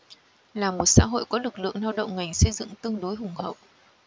là một xã có lực lượng lao động ngành xây dựng tương đối hùng hậu